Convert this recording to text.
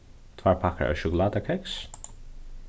tveir pakkar av sjokulátakeks